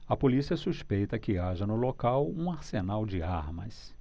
a polícia suspeita que haja no local um arsenal de armas